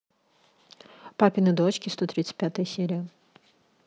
папины дочки сто тридцать пятая серия